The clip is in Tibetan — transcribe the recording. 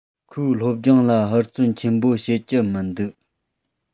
ཁོས སློབ སྦྱོང ལ ཧུར བརྩོན ཆེན པོ བྱེད ཀྱི མི འདུག